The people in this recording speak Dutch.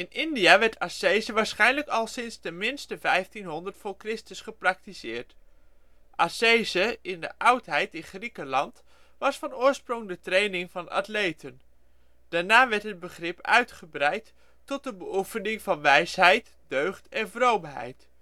India werd ascese waarschijnlijk al sinds tenminste 1500 voor Christus gepraktiseerd. Ascese in de oudheid in Griekenland was van oorsprong de training van atleten. Daarna werd het begrip uitgebreid tot de beoefening van wijsheid, deugd en vroomheid